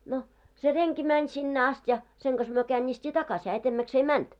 no se renki meni sinne asti ja sen kanssa me käännistiin takaisin hän edemmäksi ei mennyt